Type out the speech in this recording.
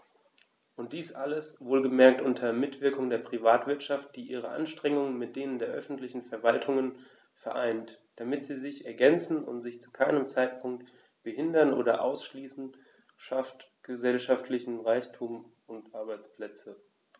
Und dies alles - wohlgemerkt unter Mitwirkung der Privatwirtschaft, die ihre Anstrengungen mit denen der öffentlichen Verwaltungen vereint, damit sie sich ergänzen und sich zu keinem Zeitpunkt behindern oder ausschließen schafft gesellschaftlichen Reichtum und Arbeitsplätze.